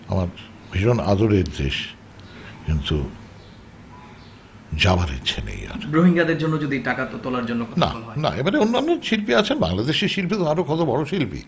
আমার ভীষণ আদরের দেশ কিন্তু যাবার ইচ্ছা নেই আর রোহিঙ্গাদের জন্য যদি টাকা তোলার জন্য যদি বলা হয় না এবারে অন্যান্য শিল্পী আছেন বাংলাদেশ শিল্পী তো আরো কত বড় শিল্পী